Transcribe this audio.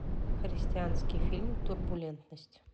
христианский фильм турбулентность